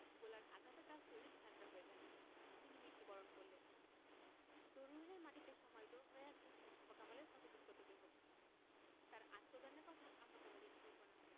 গোলার আঘাতে তার শরীর ঝাঁঝরা হয়ে গেল তিনি মৃত্যুবরণ করলেন দরুইনের মাটিতে সমাহিত হয়ে আছে মোস্তফা কামালের ক্ষতবিক্ষত দেহ তাঁর আত্মদানের কথা আমরা কোনো দিন ভুলব না